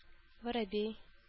Воробей